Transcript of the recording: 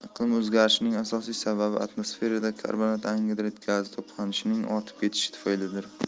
iqlim o'zgarishining asosiy sababi atmosferada karbonat angidrid gazi to'planishining ortib ketishi tufaylidir